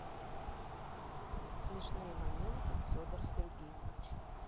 смешные моменты федор сергеевич